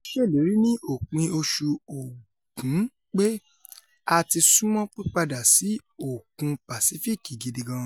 ó ṣèlérí ní òpin oṣù Ògún pe ''A ti súnmọ pípadà sí Òkun Pàsif́ìkì gidi gáàn''.